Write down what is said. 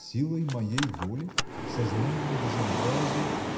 силой моей воли, сознанием безобразия.